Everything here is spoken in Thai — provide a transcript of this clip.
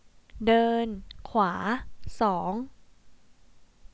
เดินขวาสอง